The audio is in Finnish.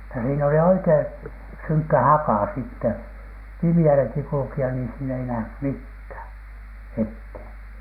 ja siinä oli oikein synkkä haka sitten pimeälläkin kulkea niin siinä ei nähnyt mitään eteen